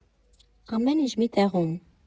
Ամեն ինչ մի տեղում։